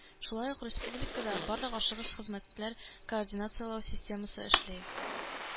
Шулай ук республикада барлык ашыгыч хезмәтләр координацияләү системасы эшли.